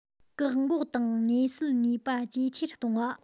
བཀག འགོག དང ཉེས སེལ ནུས པ ཇེ ཆེར གཏོང བ